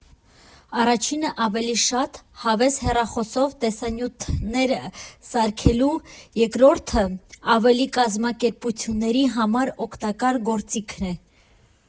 Առաջինը՝ ավելի շատ հավես հեռախոսով տեսանյութեր սարքելու, երկրորդը՝ ավելի կազմակերպությունների համար օգտակար գործիք է։